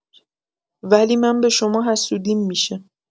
ولی من به شما حسودیم می‌شه